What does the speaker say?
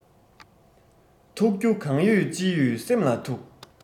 ཐུག རྒྱུ གང ཡོད ཅི ཡོད སེམས ལ ཐུག